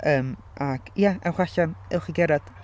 Yym, ac ia. Ewch allan. Ewch i gerdded.